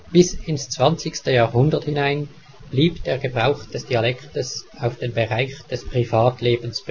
Bis ins 20. Jahrhundert hinein blieb der Gebrauch des Dialektes auf den Bereich des Privatlebens beschränkt